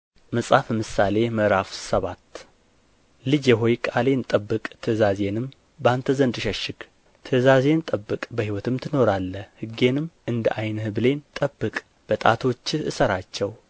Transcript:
﻿መጽሐፈ ምሳሌ ምዕራፍ ሰባት ልጄ ሆይ ቃሌን ጠብቅ ትእዛዜንም በአንተ ዘንድ ሸሽግ ትእዛዜን ጠብቅ በሕይወትም ትኖራለህ ሕጌንም እንደ ዓይንህ ብሌን ጠብቅ በጣቶችህ እሰራቸው